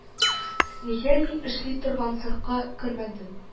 Нигә мин эшли торган цехка кермәдең